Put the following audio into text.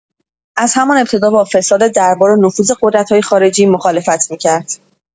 از همان ابتدا با فساد دربار و نفوذ قدرت‌های خارجی مخالفت می‌کرد.